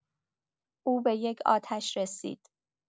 او به یک آتش رسید.